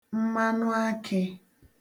mmanụakị̄